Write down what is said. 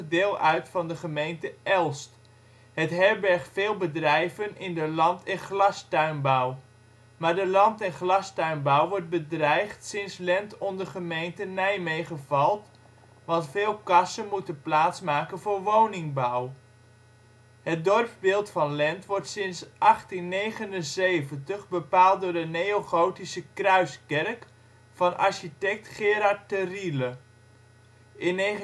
deel uit van de gemeente Elst. Het herbergt veel bedrijven in de land - en glastuinbouw. Maar de land - en glastuinbouw wordt bedreigd sinds Lent onder gemeente Nijmegen valt, want veel kassen moeten plaats maken voor woningbouw. Het dorpsbeeld van Lent wordt sinds 1879 bepaald door de neogotische kruiskerk van architect Gerard te Riele. In 1977